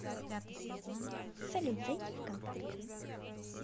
салют зайди вконтакте